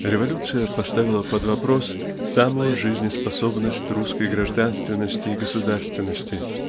Революция поставила под вопрос самую жизнеспособность русской гражданственности и государственности